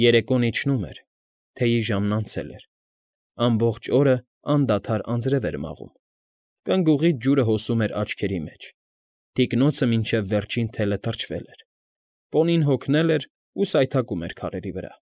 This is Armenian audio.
Երեկոն իջնում էր, թեյի ժամն անցել էր, ամբողջ օրն անդադար անձրև էր մաղում, կնգուղից ջուրը հոսում էր աչքերի մեջ, թիկնոցը մինչև վերջին թելը թրջվել էր, պոնին հոգնել էր ու սայթաքում էր քարերի վրա։